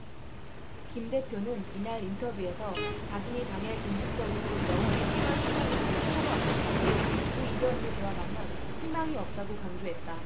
김 대표는 이날 인터뷰에서 자신이 당에 공식적으로 들어온 일 월 십 오 일을 수차례 언급하며 그 이전으로 돌아가면 희망이 없다고 강조했다